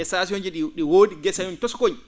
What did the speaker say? station ji ?ii ?i woodi gesoñ tosokoñ